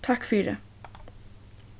takk fyri